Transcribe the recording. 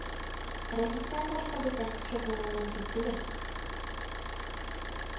Рәфистән башка бүтән кеше булу мөмкин түгел